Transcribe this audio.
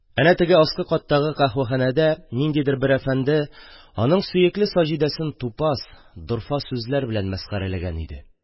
Әнә теге аскы каттагы каһвәхәнәдә ниндидер бер әфәнде аның сөекле Саҗидәсен тупас, дорфа сүзләр белән мәсхәрәләгән иде.